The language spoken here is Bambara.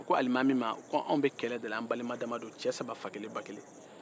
o ko alimami ma ko anw bɛ kɛlɛ de la an balimadama cɛ saba fakelen bakelen